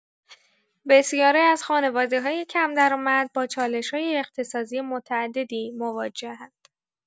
بسیاری از خانواده‌های کم‌درآمد با چالش‌های اقتصادی متعددی مواجه‌اند.